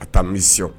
A ta mission